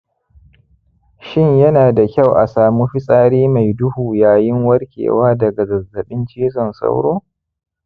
shin yana da kyau a samu fitsari mai duhu yayin warkewa daga zazzabin cizon sauro